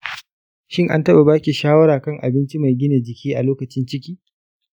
shin an taɓa ba ki shawara kan abinci mai gina jiki a lokacin ciki?